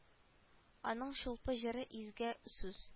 Аның чулпы җыры изге сүз